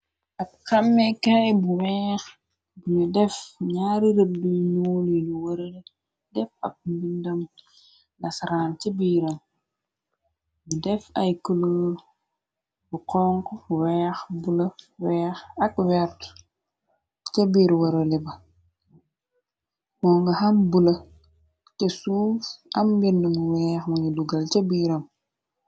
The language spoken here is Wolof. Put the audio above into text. Ab xamekaay bu weex bunu def ñaari rëbduy ñuul yinu warale dep ab mbindam dasraan ci biiram yu def ay kulur bu xong weex bu la weex ak wert ca biir warale ba moo nga xam bula te suuf am mbindamu weex munu dugal ca biiram.